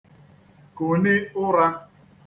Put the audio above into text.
kùni ụrā